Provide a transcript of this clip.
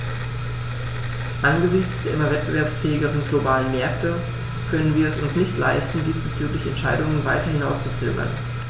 Angesichts der immer wettbewerbsfähigeren globalen Märkte können wir es uns nicht leisten, diesbezügliche Entscheidungen weiter hinauszuzögern.